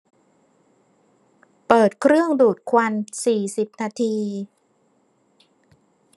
เปิดเครื่องดูดควันสี่สิบนาที